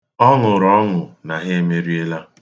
Ọ ṅụrụ ọṅụ na ha emerielạ